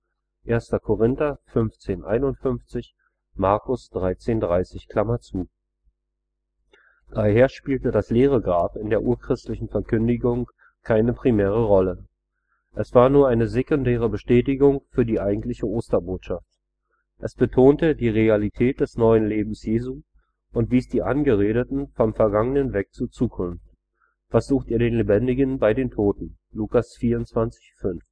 1 Kor 15,51; Mk 13,30). Daher spielte das leere Grab in der urchristlichen Verkündigung keine primäre Rolle. Es war nur eine sekundäre Bestätigung für die eigentliche Osterbotschaft. Es betonte die Realität des neuen Lebens Jesu und wies die Angeredeten vom Vergangenen weg zur Zukunft: Was sucht ihr den Lebendigen bei den Toten? (Lk 24,5